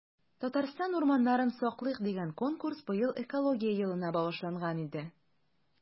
“татарстан урманнарын саклыйк!” дигән конкурс быел экология елына багышланган иде.